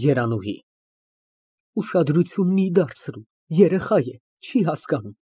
ԵՐԱՆՈՒՀԻ ֊ Էհ, ուշադրություն մի դարձրու, երեխա է, չի հասկանում։